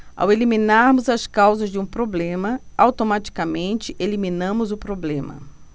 ao eliminarmos as causas de um problema automaticamente eliminamos o problema